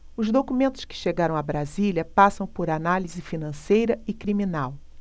os documentos que chegaram a brasília passam por análise financeira e criminal